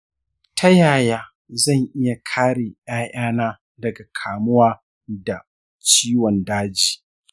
ta yaya zan iya kare ’ya’yana daga kamuwa da ciwon daji?